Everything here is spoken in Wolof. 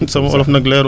sama olof nag leerul